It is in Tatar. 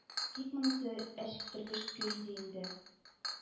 Тик монысы әчеттергеч көй иде инде